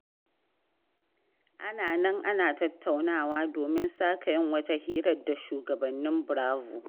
Ana nan ana tattaunawa domin sake yin wata hirar da shugabannin BRAVO!